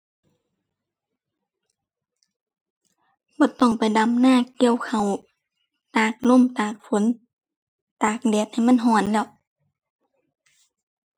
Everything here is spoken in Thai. บ่ต้องไปดำนาเกี่ยวข้าว ตากลม ตากฝน ตากแดดให้มันร้อนแล้ว